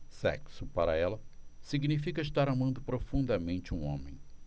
sexo para ela significa estar amando profundamente um homem